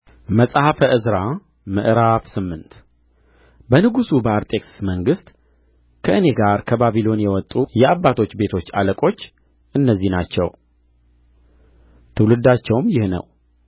መጽሐፈ ዕዝራ ምዕራፍ ስምንት በንጉሡ በአርጤክስስ መንግሥት ከእኔ ጋር ከባቢሎን የወጡ የአባቶች ቤቶች አለቆች እነዚህ ናቸው ትውልዳቸውም ይህ ነው